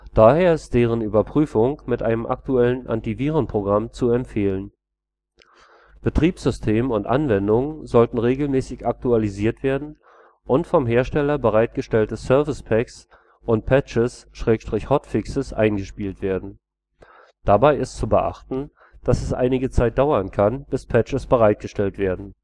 Daher ist deren Überprüfung mit einem aktuellen Antivirenprogramm zu empfehlen. Betriebssystem und Anwendungen sollten regelmäßig aktualisiert werden und vom Hersteller bereitgestellte Service Packs und Patches/Hotfixes eingespielt werden. Dabei ist zu beachten, dass es einige Zeit dauern kann, bis Patches bereitgestellt werden